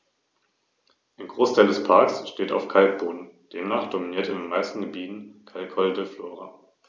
Ziel dieses Biosphärenreservates ist, unter Einbeziehung von ortsansässiger Landwirtschaft, Naturschutz, Tourismus und Gewerbe die Vielfalt und die Qualität des Gesamtlebensraumes Rhön zu sichern.